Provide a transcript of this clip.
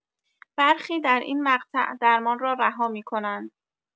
برخی در این مقطع درمان را رها می‌کنند.